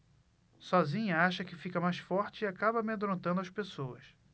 sozinha acha que fica mais forte e acaba amedrontando as pessoas